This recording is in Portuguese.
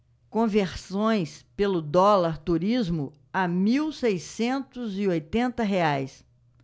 conversões pelo dólar turismo a mil seiscentos e oitenta reais